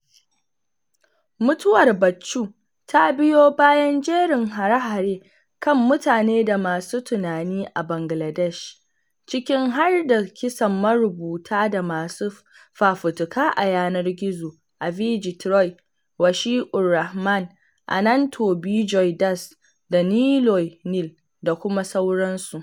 Mutuwar Bachchu ta biyo bayan jerin hare-hare kan mutane da masu tunani a Bangladesh, ciki har da kisan marubuta da masu fafutuka a yanar gizo Avijit Roy, Washiqur Rahman, Ananto Bijoy Das da Niloy Neel, da kuma sauransu.